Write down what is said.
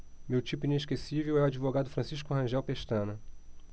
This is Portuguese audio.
meu tipo inesquecível é o advogado francisco rangel pestana